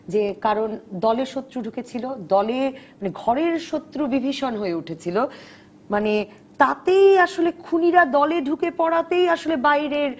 যে কারণ দলে শত্রু ঢুকেছিল দলে মানে ঘরের শত্রু বিভীষণ হয়ে উঠেছিল মানে তাতেই আসলে খুনিরা দলে ঢুকে পড়াতেই আসলে বাইরের